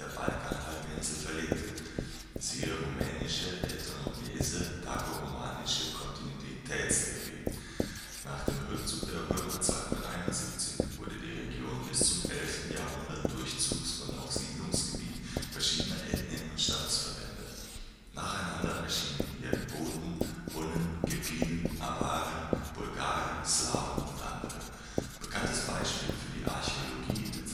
Balkanhalbinsel verlegte - siehe Rumänische Ethnogenese/Dako-romanische Kontinuitätstheorie). Nach dem Rückzug der Römer 271 wurde die Region bis zum 11. Jahrhundert Durchzugs - und auch Siedlungsgebiet verschiedener Ethnien und Stammesverbände. Nacheinander erschienen hier Goten, Hunnen, Gepiden, Awaren, Bulgaren, Slawen und andere. Bekanntes Beispiel für die Archäologie der